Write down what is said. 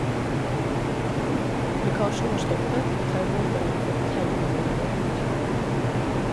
Lekkasjen var stoppet og taubåter hadde fått tau om bord i båten.